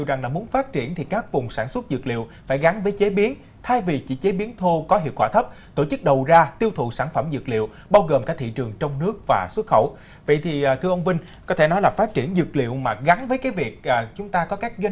rằng là muốn phát triển thì các vùng sản xuất dược liệu phải gắn với chế biến thay vì chỉ chế biến thô có hiệu quả thấp tổ chức đầu ra tiêu thụ sản phẩm dược liệu bao gồm cả thị trường trong nước và xuất khẩu vậy thì thưa ông vinh có thể nói là phát triển dược liệu mà gắn với cái việc à chúng ta có các doanh